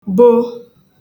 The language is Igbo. bo